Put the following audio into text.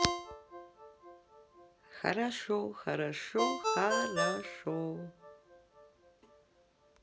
хорошо хорошо хорошо